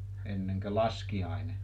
ennen kuin laskiainen